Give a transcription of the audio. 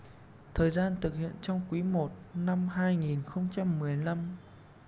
thời gian thực hiện trong quý một năm hai nghìn không trăm mười lăm